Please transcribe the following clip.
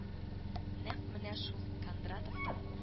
Нәкъ менә шул Кондратовтан